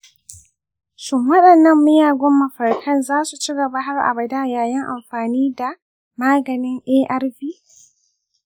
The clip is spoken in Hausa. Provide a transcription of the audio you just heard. shin waɗannan miyagun mafarkai za su ci gaba har abada yayin amfani da maganin arv?